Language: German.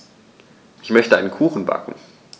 Ich möchte einen Kuchen backen.